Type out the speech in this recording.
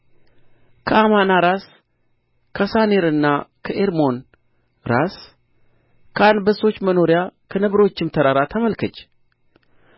ከአማና ራስ ከሳኔርና ከኤርሞን ራስ ከአንበሶች መኖሪያ ከነብሮችም ተራራ ተመልከች